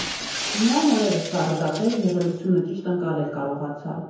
Միայն օրերս սառը դատել, եղելությունը ճիշտ ընկալել կարողացա։